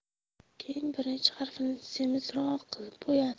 keyin birinchi harfni semizroq qilib bo'yadi